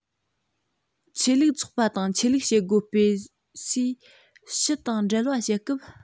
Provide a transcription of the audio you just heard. ཆོས ལུགས ཚོགས པ དང ཆོས ལུགས བྱེད སྒོ སྤེལ སས ཕྱི དང འབྲེལ བ བྱེད སྐབས